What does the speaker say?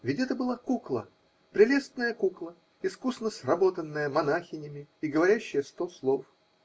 Ведь это была кукла, прелестная кукла, искусно сработанная монахинями и говорящая сто слов.